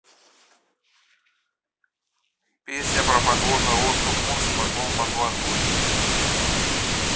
песня про подводную лодку курск потом под водой